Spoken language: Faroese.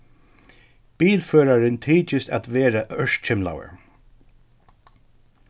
bilførarin tykist at vera ørkymlaður